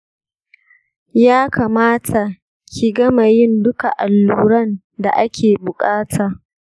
ya kamata ki gama yin duka alluran da ake buƙata